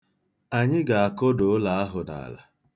Anyị ga-akụda ụlọ ahụ n'ala.